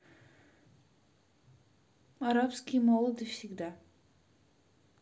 арабские молоды всегда